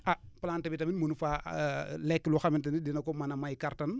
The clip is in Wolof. ah plante bi tamit mënu faa lekk loo xamante ni dina ko mën a may kattan